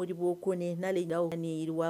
O debo ko ni nalida ani yiriwa